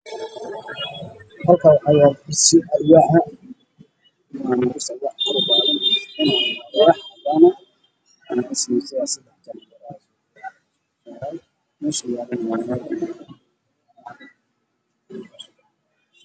Waa kursi geed ka samaysan yahay